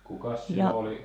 ja